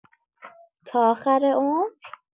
تا آخر عمر؟!